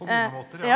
på noen måter, ja.